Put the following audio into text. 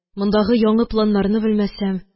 Мондагы яңы планнарны белмәсәм